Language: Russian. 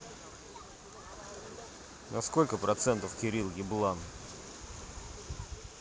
на сколько процентов кирилл еблан